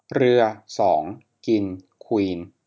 เรือสองกินควีน